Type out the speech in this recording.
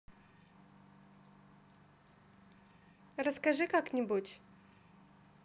расскажи как нибудь